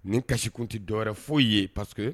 Nin kasisikun tɛ dɔwɛrɛ foyi ye pa que